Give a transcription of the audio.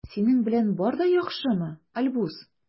Синең белән бар да яхшымы, Альбус?